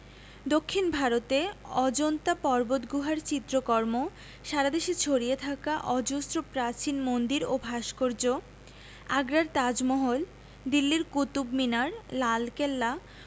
দক্ষিন ভারতে অজন্তা পর্বতগুহার চিত্রকর্ম সারা দেশে ছড়িয়ে থাকা অজস্র প্রাচীন মন্দির ও ভাস্কর্য আগ্রার তাজমহল দিল্লির কুতুব মিনার লালকেল্লা